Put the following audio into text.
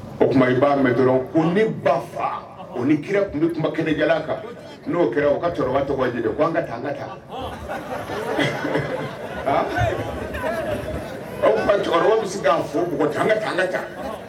O kuma i b'a mɛ dɔrɔn ko ne ba fa o ni kira kun be kuma kɛnɛjalan kan n'o kɛra o ka cɛkɔrɔba tɔgɔ ye di de ko an ŋa taa an ŋa taa ɔnhɔɔn aa o kuma cɛkɔrɔba be se k'a fo bugɔ ten an ŋa taa ŋa ta